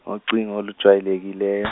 ngocingo olujwayelekileyo.